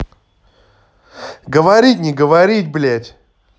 говорить не говорить блядь